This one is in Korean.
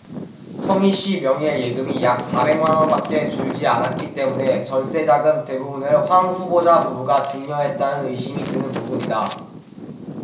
성희씨 명의의 예금이 약 사백 만원밖에 줄지 않았기 때문에 전세자금 대부분을 황 후보자 부부가 증여했다는 의심이 드는 부분이다